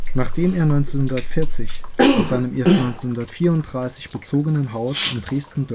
Nachdem er 1940 aus seinem erst 1934 bezogenen Haus in Dresden-Dölzschen